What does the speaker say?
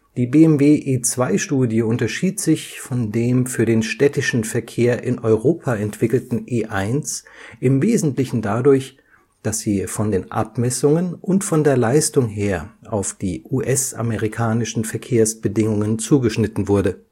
Die BMW E2-Studie unterschied sich von dem für den städtischen Verkehr in Europa entwickelten E1 im Wesentlichen dadurch, dass sie von den Abmessungen und von der Leistung her auf die US-amerikanischen Verkehrsbedingungen zugeschnitten wurde